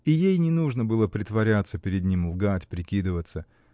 И ей не нужно было притворяться перед ним, лгать, прикидываться.